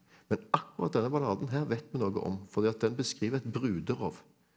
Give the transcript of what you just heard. men akkurat denne balladen her vet vi noe om fordi at den beskriver et bruderov.